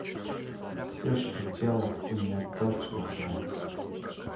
все что делать у меня дочь рожает